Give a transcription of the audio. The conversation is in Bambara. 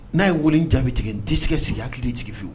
N'a ye wolo jaabi tigɛ n tɛsɛ ka sigi hakili de sigi fiyewu